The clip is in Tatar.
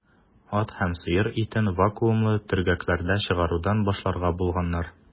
Ат һәм сыер итен вакуумлы төргәкләрдә чыгарудан башларга булганнар.